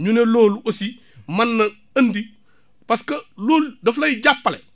ñu ne loolu aussi man na andi parce que loolu daf lay jàppale